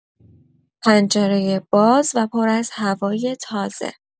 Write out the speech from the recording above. پنجره باز و پر از هوای تازه